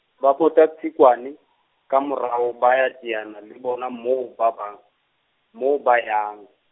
ba pota Tsikwane, ka morao ba ya teana le bona moo ba bang, moo ba yang.